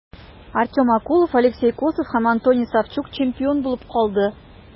Артем Окулов, Алексей Косов һәм Антоний Савчук чемпион булып калды.